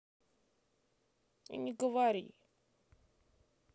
и не говори